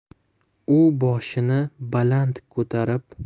u boshini baland ko'tarib